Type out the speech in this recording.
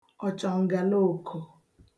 ọ̀chọ̀ǹgàloòkò